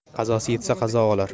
qazosi yetsa qozi o'lar